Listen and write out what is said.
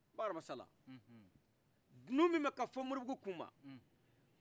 bakari hama sala dunu min be ka fɔ mɔribugu kuma